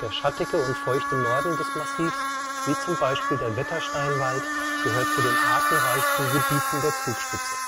schattige und feuchte Norden des Massivs, wie zum Beispiel der Wettersteinwald, gehört zu den artenreichsten Gebieten der Zugspitze